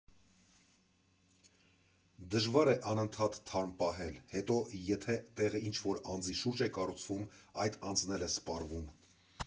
Դժվար է անընդհատ թարմ պահել, հետո եթե տեղը ինչ֊որ մի անձի շուրջ է կառուցվում, այդ անձն էլ է սպառվում։